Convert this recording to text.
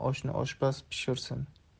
oshni oshpaz pishirsin